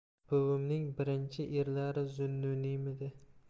buvimning birinchi erlari zunnuniymidi